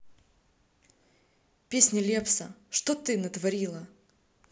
песня лепса что ты натворила